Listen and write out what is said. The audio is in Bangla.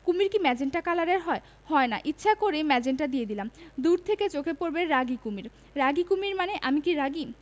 কুমীর কি মেজেন্টা কালারের হয় হয় না ইচ্ছা করেই মেজেন্টা করে দিলাম দূর থেকে চোখে পড়বে রাগী কুমীর রাগী কুমীর মানে আমি কি রাগী